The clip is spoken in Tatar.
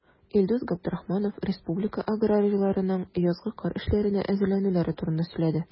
Илдус Габдрахманов республика аграрийларының язгы кыр эшләренә әзерләнүләре турында сөйләде.